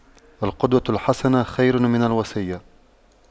القدوة الحسنة خير من الوصية